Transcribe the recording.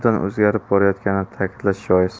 tubdan o'zgarib borayotganini ta'kidlash joiz